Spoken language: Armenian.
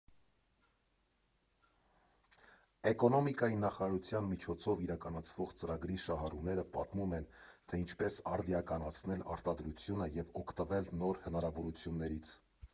Էկոնոմիկայի նախարարության միջոցով իրականացվող ծրագրի շահառուները պատմում են, թե ինչպես արդիականացնել արտադրությունը և օգտվել նոր հնարավորություններից։